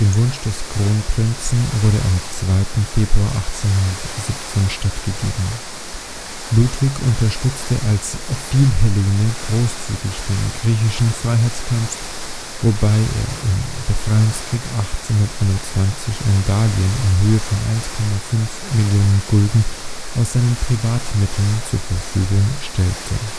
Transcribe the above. Wunsch des Kronprinzen wurde am 2. Februar 1817 stattgegeben. Ludwig unterstützte als Philhellene großzügig den griechischen Freiheitskampf, wobei er im Befreiungskrieg 1821 ein Darlehen in Höhe von 1,5 Millionen Gulden aus seinen Privatmitteln zur Verfügung stellte